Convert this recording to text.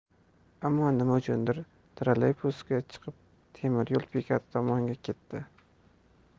ammo nima uchundir trolleybusga chiqib temir yo'l bekati tomonga ketdi